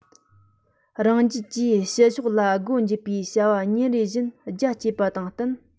རང རྒྱལ གྱིས ཕྱི ཕྱོགས ལ སྒོ འབྱེད པའི བྱ བ ཉིན རེ བཞིན རྒྱ བསྐྱེད པ དང བསྟུན